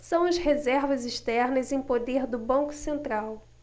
são as reservas externas em poder do banco central